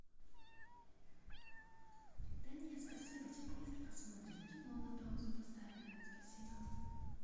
да нет спасибо телевизор смотрим кино на паузу поставили спасибо